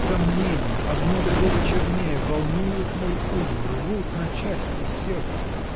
сомнения, одно другого чернее, волнуют мой ум, рвут на части сердце.